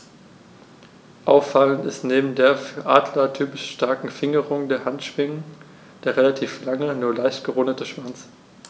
Auffallend ist neben der für Adler typischen starken Fingerung der Handschwingen der relativ lange, nur leicht gerundete Schwanz.